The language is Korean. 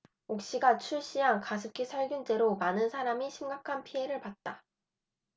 옥시가 출시한 가습기살균제로 많은 사람이 심각한 피해를 봤다